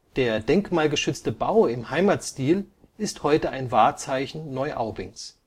Der denkmalgeschützte Bau im Heimatstil ist heute ein Wahrzeichen Neuaubings